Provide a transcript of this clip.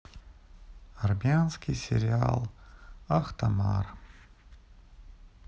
армянский сериал ахтамар